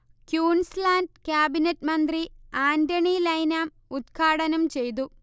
ക്യൂൻസ് land cabinet മന്ത്രി Anthony Lynham ഉത്ഘാടനം ചെയ്തു